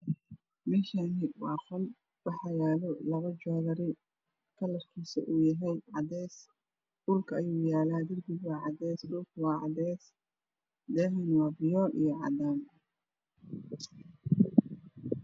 Meeshaani waa qol waxaa yaalo labo joodari colorkiisa uu yahey cadees dhulka ayuu yaalaa gurigu waa cadees darbigu waa cadees